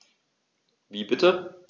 Wie bitte?